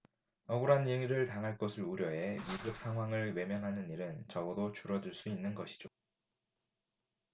억울한 일을 당할 것을 우려해 위급상황을 외면하는 일은 적어도 줄어들 수 있는 것이죠